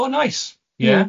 O nais, ie.